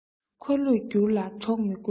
འཁོར ལོས བསྒྱུར ལ གྲོགས མི དགོས